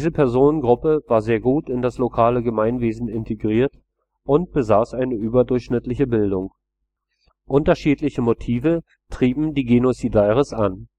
Personengruppe war sehr gut in das lokale Gemeinwesen integriert und besaß eine überdurchschnittliche Bildung. Unterschiedliche Motive trieben die Génocidaires an